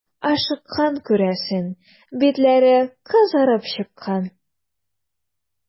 Ашыккан, күрәсең, битләре кызарып чыккан.